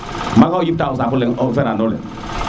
maga o yip ta o saaku leng o saaku ferando le